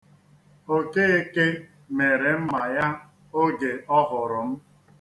Okeke mịrị mma ya oge ọ hụrụ m.